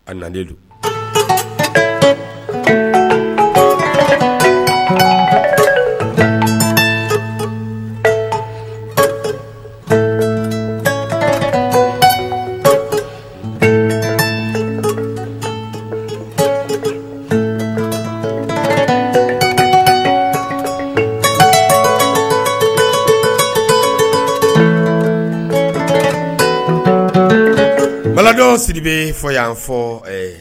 A dedu baladon siri bɛ fɔ y' fɔ ɛɛ